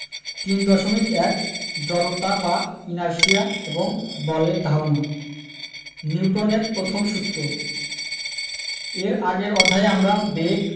৩.১ জড়তা বা ইনারশিয়া এবং বলের ধারণা নিউটনের প্রথম সূত্র এর আগের অধ্যায়ে আমরা বেগ